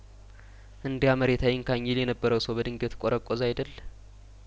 እንዲያ መሬት አይንካኝ ይል የነበረ ሰው በድንገት ቆረቆዘ አይደል